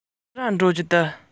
མེད པའི དངོས པོ དེ དངུལ ལོར